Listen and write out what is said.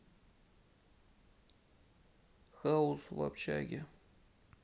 хаус в общаге